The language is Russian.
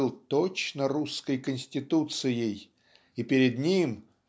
был точно русской конституцией и перед ним